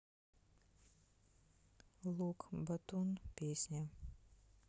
лук батун песня